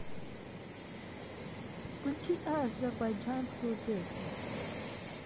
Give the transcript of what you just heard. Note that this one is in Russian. включи азербайджанскую песню